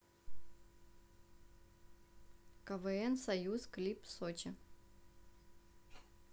квн союз клип сочи